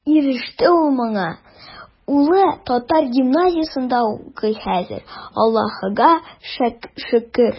Иреште ул моңа, улы татар гимназиясендә укый хәзер, Аллаһыга шөкер.